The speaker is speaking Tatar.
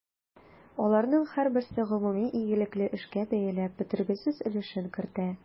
Аларның һәрберсе гомуми игелекле эшкә бәяләп бетергесез өлешен кертә.